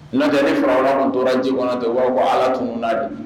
Natɛ fara tun tora jiɔnna ten wa ko ala tun la de